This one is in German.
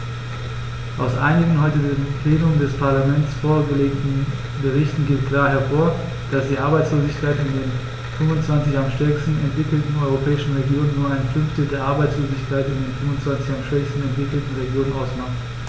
Aus einigen heute dem Plenum des Parlaments vorgelegten Berichten geht klar hervor, dass die Arbeitslosigkeit in den 25 am stärksten entwickelten europäischen Regionen nur ein Fünftel der Arbeitslosigkeit in den 25 am schwächsten entwickelten Regionen ausmacht.